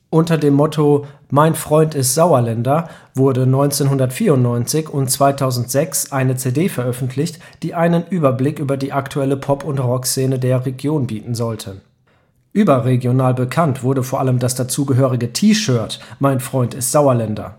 Unter dem Motto Mein Freund ist Sauerländer wurde 1994 und 2006 eine CD veröffentlicht, die einen Überblick über die aktuelle Pop - und Rockszene der Region bieten sollte. Überregional bekannt wurde vor allem das dazugehörige T-Shirt Mein Freund ist Sauerländer